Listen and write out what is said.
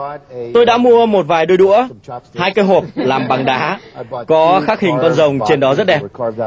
tôi đã mua một vài đôi đũa hai cái hộp làm bằng đá có khắc hình con rồng trên đó rất đẹp